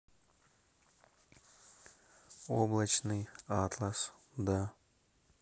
облачный атлас да